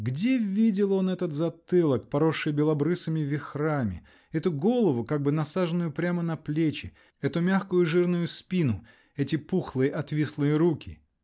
Где видел он этот затылок, поросший белобрысыми вихрами, эту голову, как бы насаженную прямо на плечи, эту мягкую, жирную спину, эти пухлые отвислые руки?